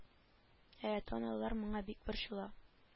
Ә ата-аналар моңа бик борчыла